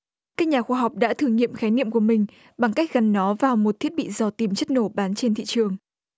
các nhà khoa học đã thử nghiệm khái niệm của mình bằng cách gắn nó vào một thiết bị dò tìm chất nổ bán trên thị trường